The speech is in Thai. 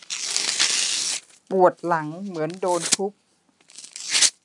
ปวดหลังเหมือนโดนทุบ